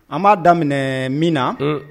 An b'a daminɛ min na